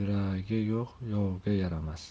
yuragi yo'q yovga yaramas